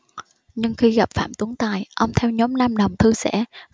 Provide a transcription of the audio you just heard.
nhưng khi gặp phạm tuấn tài ông theo nhóm nam đồng thư xã